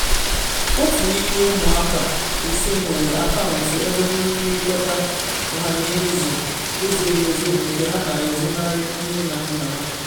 Otu n’ime ụmụaka ise nwere akaụntụ ebe mmerịkọta ọhaneze ezoro ezo nke ha na ezonarị nne na nna ha